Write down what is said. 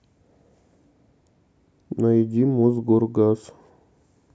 найди мосгоргаз